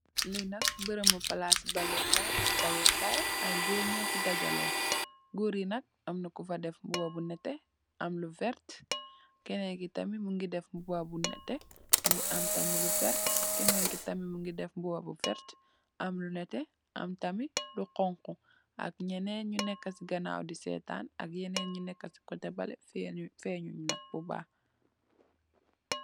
li nak barbu kupé kay dajalo Kaye ak dawe Kaye ay Goor njofi dajale amna kifa def mbuba bu nete mugi amwert kenen ki tamit mugi def mbuba bu nete mugi am lu wert def mbuba bu wert am nete am tamit lu xonxu ak njenin njul neka ci ganawe di setan am jenin njul neka ci kote bale nonu fénun bu bax